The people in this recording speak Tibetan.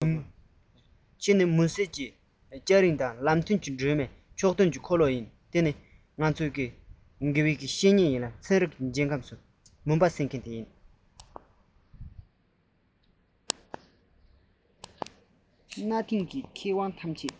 ཁྱེད ཀྱིས ང ཚོར ཤེས རིག གི རྒྱལ ཁམས སུ ཁྱེད ནི མུན སེལ གྱི སྐྱ རེངས ལམ སྟོན གྱི སྒྲོན མེ ཕྱོགས སྟོན གྱི འཁོར ལོ བཅས སོ